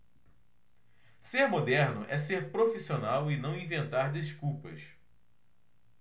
ser moderno é ser profissional e não inventar desculpas